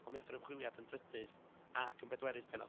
ond mi aeth yr ymchwiliad yn drydydd ac yn bedwerydd pennod,